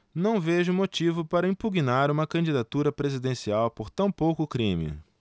não vejo motivo para impugnar uma candidatura presidencial por tão pouco crime